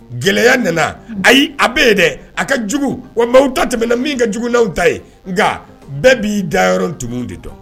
Gɛlɛya nana ayi a bɛ ye dɛ a ka jugu wa maaw ta tɛmɛ na min ka jugu n'anw ta ye nka bɛɛ b'i da yɔrɔ tumu de dɔn.